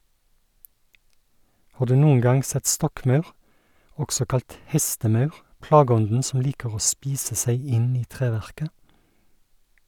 Har du noen gang sett stokkmaur, også kalt hestemaur, plageånden som liker å spise seg inn i treverket?